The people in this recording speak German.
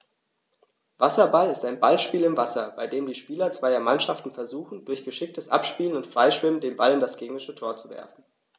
Wasserball ist ein Ballspiel im Wasser, bei dem die Spieler zweier Mannschaften versuchen, durch geschicktes Abspielen und Freischwimmen den Ball in das gegnerische Tor zu werfen.